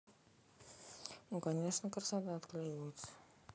ну конечно красота отклеивается